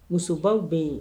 Musobaw bɛ yen